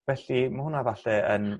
Felly ma' hwnna 'falle yn